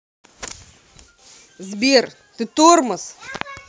сбер ты тормоз